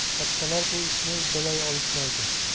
kattalar bu ishni uddalay olishmaydi